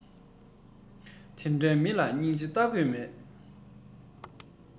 དེ འདྲའི མི ལ སྙིང རྗེ ལྟ དགོས མེད